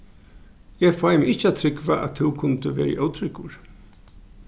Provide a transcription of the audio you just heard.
eg fái meg ikki at trúgva at tú kundi vera ótrúgvur